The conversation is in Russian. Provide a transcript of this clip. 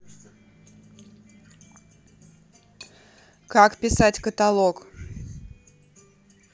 как писать каталог